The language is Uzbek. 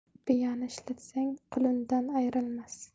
biyani ishlatsang qulundan ayrilasan